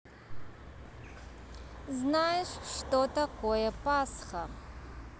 знаешь что такое пасха